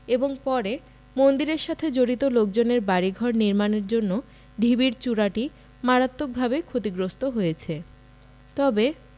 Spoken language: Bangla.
এবং পরে মন্দিরের সাথে জড়িত লোকজনের বাড়ি ঘর নির্মাণের জন্য ঢিবির চূড়াটি মারাত্মকভাবে ক্ষতিগ্রস্ত হয়েছে তবে